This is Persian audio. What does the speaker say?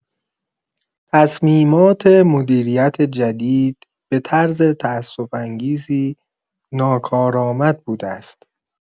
تصمیمات مدیریت جدید به طرز تأسف‌انگیزی ناکارآمد بوده است.